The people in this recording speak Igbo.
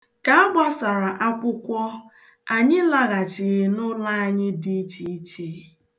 Ka agbasara akwụkwọ, anyị laghachiri n'ụlọ anyị dị ichiiche.